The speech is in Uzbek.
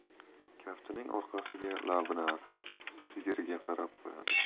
kaftining orqasiga labini artib sigiriga qarab qo'yadi